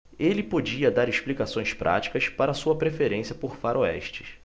ele podia dar explicações práticas para sua preferência por faroestes